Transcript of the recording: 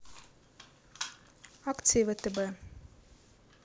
акции втб